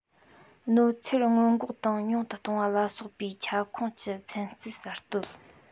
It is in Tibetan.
གནོད འཚེར སྔོན འགོག དང ཉུང དུ གཏོང བ ལ སོགས པའི ཁྱབ ཁོངས ཀྱི ཚན རྩལ གསར གཏོད